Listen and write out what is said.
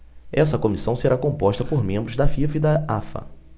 essa comissão será composta por membros da fifa e da afa